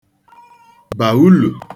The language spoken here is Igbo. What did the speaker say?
bà ulù